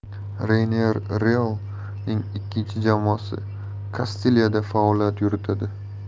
reynier real ning ikkinchi jamoasi kastilya da faoliyat yuritadi